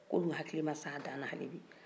u hakili ma se a dan na hali bi